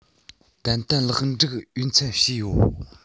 ཏན ཏན ལེགས སྒྲིག འོས འཚམས བྱས ཡོད